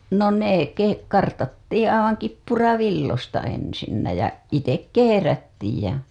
no ne - kartattiin aivan kippuravilloista ensin ja itse kehrättiin ja